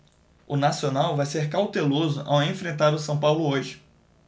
o nacional vai ser cauteloso ao enfrentar o são paulo hoje